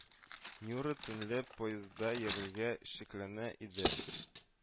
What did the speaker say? Нюра төнлә поездда йөрергә шикләнә, иде